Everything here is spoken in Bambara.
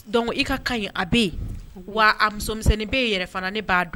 Donc i ka cas in a bɛ yen, wa a musomisɛnnin bɛ yen yɛrɛ fana ne b'a dɔn